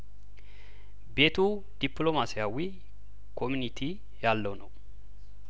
ቤቱ ዲፕሎማሲያዊ ኮሚኒቲ ያለው ነው